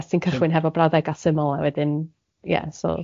...os ti'n cychwyn hefo brawddega syml a wedyn ie so... Ie.